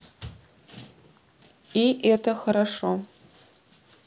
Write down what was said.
и это хорошо